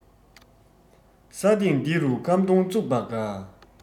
ས སྟེང འདི རུ ཁམ སྡོང བཙུགས པ དགའ